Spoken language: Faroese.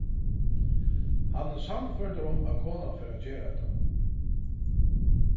hann er sannførdur um at konan fer at gera hatta